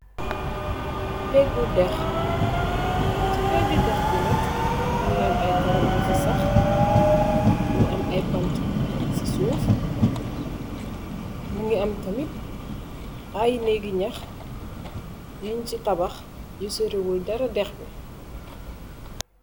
Peggu dex ci pegg dex bi nekk mugi am ay garab yu fi sax mu am ay banta ci suuf mugi am tamit ay neegi nax yun ci tabax yuso rewul dara dex bi.